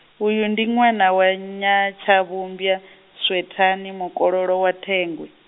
uyu ndi ṅwana wa Nyatshavhumbwa, Swethani mukololo wa Thengwe.